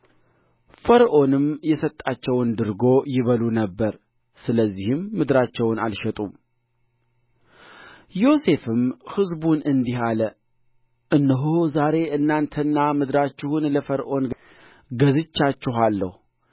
ፈርዖንም የሰጣቸውን ድርጎ ይበሉ ነበር ስለዚህም ምድራቸውን አልሸጡም ዮሴፍም ሕዝቡን እንዲህ አለ እነሆ ዛሬ እናንተንና ምድራችሁን ለፈርዖን ገዝቻችኋለሁ